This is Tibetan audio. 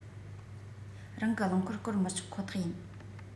རང གི རླངས འཁོར བསྐོར མི ཆོག ཁོ ཐག ཡིན